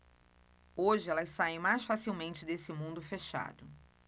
hoje elas saem mais facilmente desse mundo fechado